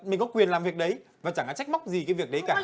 mình có quyền làm việc đấy và chả ai trách móc gì việc đấy cả